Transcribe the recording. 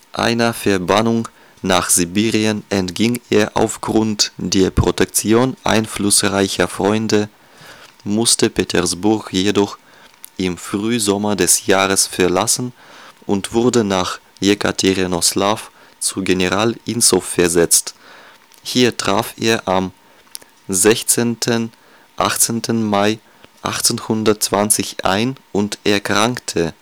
Einer Verbannung nach Sibirien entging er aufgrund der Protektion einflussreicher Freunde, musste Petersburg jedoch im Frühsommer des Jahres verlassen und wurde nach Jekaterinoslaw zu General Insow versetzt. Hier traf er am 16. / 18. Mai 1820 ein und erkrankte